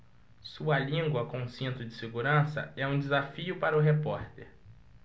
sua língua com cinto de segurança é um desafio para o repórter